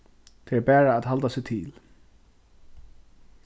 tað er bara at halda seg til